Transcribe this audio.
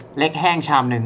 เล็กแห้งชามนึง